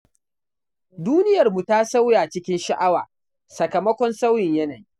Duniyarmu ta sauya cikin sha'awa sakamakon sauyin yanayi.